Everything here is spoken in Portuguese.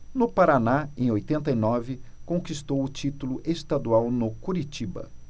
no paraná em oitenta e nove conquistou o título estadual no curitiba